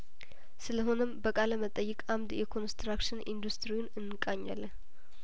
ስለሆነም በቃ ለመጠይቅ አምድ የኮንስትራክሽን ኢንዱስትሪውን እንቃኛለን